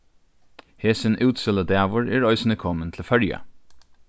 hesin útsøludagur er eisini komin til føroya